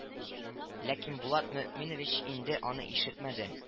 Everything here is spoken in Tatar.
Ләкин Булат Мөэминович инде аны ишетмәде